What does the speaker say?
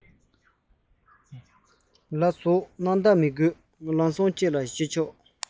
ལགས སོ སྣང དག མི ཡོང ལམ སེང ལན ཞུས ཆོག